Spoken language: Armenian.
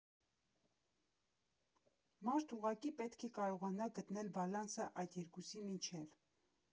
Մարդ ուղղակի պետք է կարողանա գտնել բալանսը այդ երկուսի միջև։